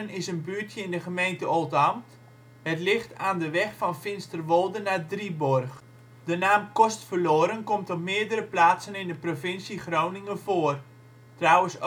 is een buurtje in de gemeente Oldambt. Het ligt aan de weg van Finsterwolde naar Drieborg. De naam Kostverloren komt op meerdere plaatsen in de provincie Groningen voor, trouwens